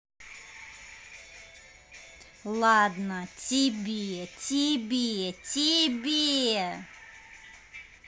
ладно тебе тебе тебе